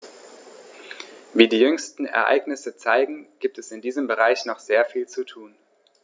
Wie die jüngsten Ereignisse zeigen, gibt es in diesem Bereich noch sehr viel zu tun.